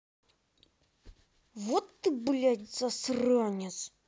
вот ты блять засранец